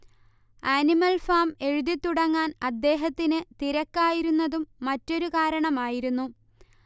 animal Farm എഴുതിത്തുടങ്ങാൻ അദ്ദേഹത്തിന് തിരക്കായിരുന്നതും മറ്റൊരു കാരണമായിരുന്നു